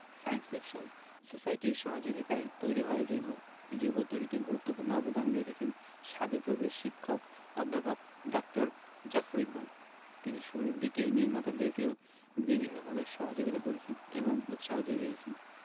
science fiction সোসাইটির সহযোগিতায়ই তৈরি হয় রিবো রিবো তৈরিতে গুরুত্বপূর্ণ অবদান রেখেছেন শাবিপ্রবির শিক্ষক অধ্যাপক ড জাফর ইকবাল তিনি শুরুর দিকে নির্মাতাদেরকে বিভিন্নভাবে সহযোগিতা করেছেন এবং উৎসাহ যুগিয়েছেন